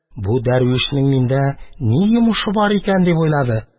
Бу дәрвишнең миндә ни йомышы бар икән?» – дип уйлады.